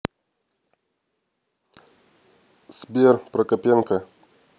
сбер прокопенко